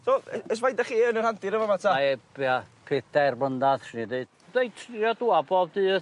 So e- ers faint 'dych chi yn y randir yn fa' 'ma 'te? peder mlynadd swn i ddeu. Dwi'n trio dwa bob dydd.